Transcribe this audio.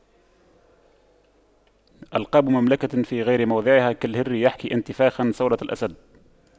ألقاب مملكة في غير موضعها كالهر يحكي انتفاخا صولة الأسد